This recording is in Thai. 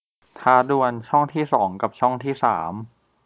ท้าดวลช่องที่สองกับช่องที่สาม